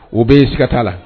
O bɛ yen sigiigata la